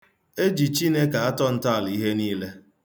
E ji Chineke atọ ntọala ihe niile.